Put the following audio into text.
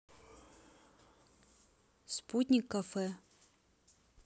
спутник кафе